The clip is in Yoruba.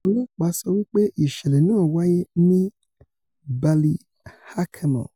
Olọ́ọ̀pá sowí pé ìṣẹ̀lẹ̀ náà wáyé ni Ballyhackamore.